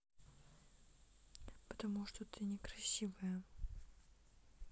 потому что ты некрасивая